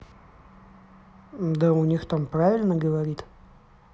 да у них там правильно говорит